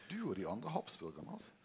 du og dei andre habsburgarane altså.